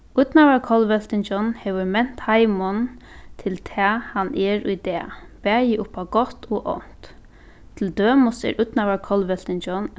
ídnaðarkollveltingin hevur ment heimin til tað hann er í dag bæði upp á gott og ónt til dømis er ídnaðarkollveltingin